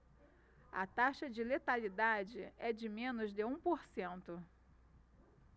a taxa de letalidade é de menos de um por cento